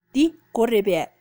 འདི སྒོ རེད པས